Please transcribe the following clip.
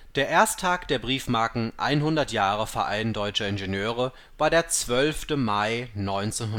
Der Ersttag der Briefmarken „ 100 Jahre Verein Deutscher Ingenieure (VDI) “war der 12. Mai 1956